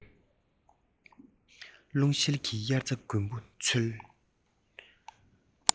རྒྱང ཤེལ གྱིས དབྱར རྩྭ དགུན འབུ འཚོལ